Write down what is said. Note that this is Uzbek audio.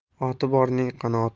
oti borning qanoti